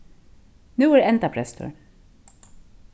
nú er endabrestur